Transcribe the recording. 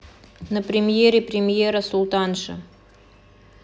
на премьере премьера султанша